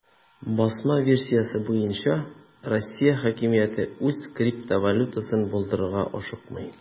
Басма версиясе буенча, Россия хакимияте үз криптовалютасын булдырырга ашыкмый.